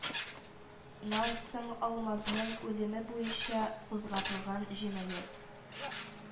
Нан соң, алмазның үлеме буенча кузгатылган җинаять